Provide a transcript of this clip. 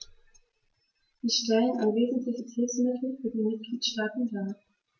Sie stellen ein wesentliches Hilfsmittel für die Mitgliedstaaten dar.